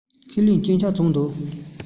ཁས ལེན སྐྱོན ཆག བྱུང འདུག